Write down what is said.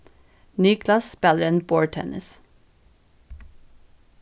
niklas spælir enn borðtennis